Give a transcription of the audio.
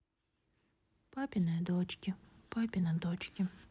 папины дочки папины дочки